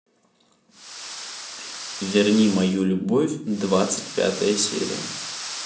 верни мою любовь двадцать пятая серия